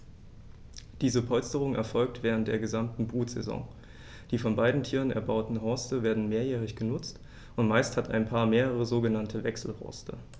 Diese Polsterung erfolgt während der gesamten Brutsaison. Die von beiden Tieren erbauten Horste werden mehrjährig benutzt, und meist hat ein Paar mehrere sogenannte Wechselhorste.